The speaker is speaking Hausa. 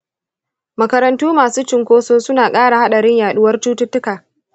makarantu masu cunkoso suna ƙara haɗarin yaɗuwar cututtuka.